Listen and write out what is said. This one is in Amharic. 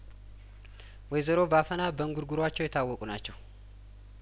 ወይዘሮ ባፈና በእንጉርጉሯቸው የታወቁ ናቸው